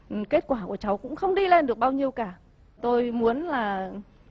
kết quả của cháu cũng không đi lên được bao nhiêu cả tôi muốn là